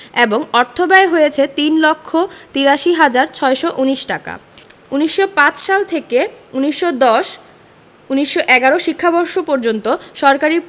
এবং অর্থব্যয় হয়েছে ৩ লক্ষ ৮৩ হাজার ৬১৯ টাকা ১৯০৫ থেকে ১৯১০ ১৯১১ শিক্ষাবর্ষ পর্যন্ত সরকারি